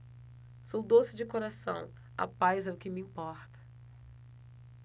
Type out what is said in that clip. sou doce de coração a paz é que me importa